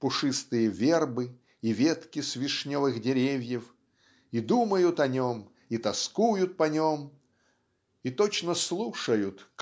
пушистые вербы и ветки с вишневых деревьев и думают о нем и тоскуют по нем и точно слушают